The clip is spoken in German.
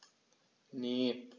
Ne.